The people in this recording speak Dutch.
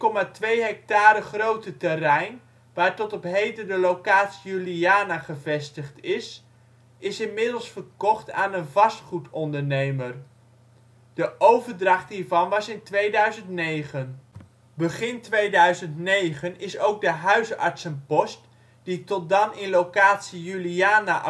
Het 4,2 hectare grote terrein waar tot op heden de locatie Juliana gevestigd is, is inmiddels verkocht aan een vastgoedondernemer. De overdracht hiervan was in 2009. Begin 2009 is ook de huisartsenpost, die tot dan in locatie Juliana